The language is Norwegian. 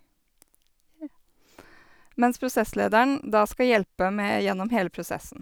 Mens prosesslederen da skal hjelpe med gjennom hele prosessen.